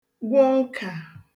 gwụ nkà